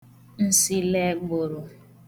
nsilegbụrụ